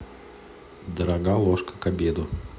дорога ложка к обеду